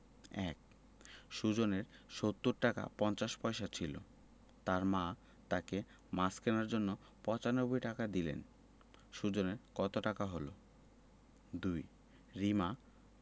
১ সুজনের ৭০ টাকা ৫০ পয়সা ছিল তার মা তাকে মাছ কেনার জন্য ৯৫ টাকা দিলেন সুজনের কত টাকা হলো ২ রিমা